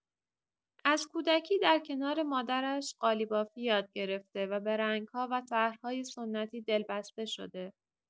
از کودکی در کنار مادرش قالی‌بافی یاد گرفته و به رنگ‌ها و طرح‌های سنتی دلبسته شده.